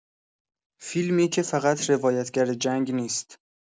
فیلمی که فقط روایتگر جنگ نیست.